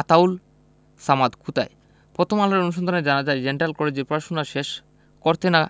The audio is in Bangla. আতাউল সামাদ কোথায় প্রথম আলোর অনুসন্ধানে জানা যায় ডেন্টাল কলেজে পড়াশোনা শেষ করতে না